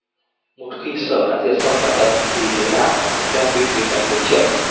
một khi sở đã diệt xong nhà tần thì thế nào nó cũng đem binh đến đánh nước triệu